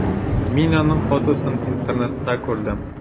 Мин аның фотосын интернетта күрдем.